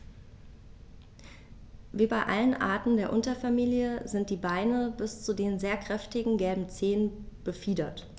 Wie bei allen Arten der Unterfamilie sind die Beine bis zu den sehr kräftigen gelben Zehen befiedert.